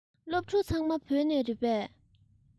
སློབ ཕྲུག ཚང མ བོད ལྗོངས ནས རེད པས